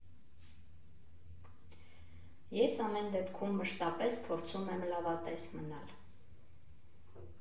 Ես ամեն դեպքում մշտապես փորձում եմ լավատես մնալ։